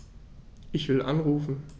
Ich will anrufen.